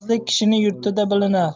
yolg'izlik kishi yurtida bilinar